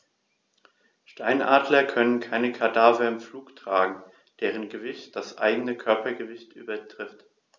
Steinadler können keine Kadaver im Flug tragen, deren Gewicht das eigene Körpergewicht übertrifft.